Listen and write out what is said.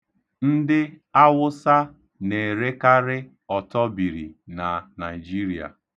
Ndị Awụsa na-erekarị ọtọbiri na Naịjiria.